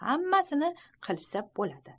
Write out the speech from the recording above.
hammasini qilsa boladi